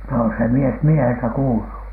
no se mies mieheltä kuului